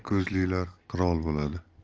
ko'zlilar qirol bo'ladi